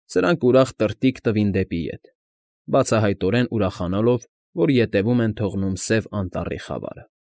Սրանք ուրախ տրտիգ տվին դեպի ետ, բացահայտորեն ուրախանալով, որ ետևում են թողնում Սև Անտառի խավարը։